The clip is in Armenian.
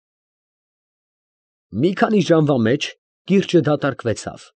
Մի քանի ժամվա մեջ կիրճը դատարկվեցավ։